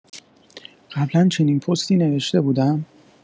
قبلا چنین پستی نوشته بودم؟